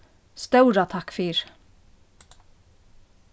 stóra takk fyri